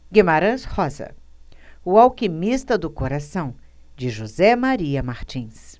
guimarães rosa o alquimista do coração de josé maria martins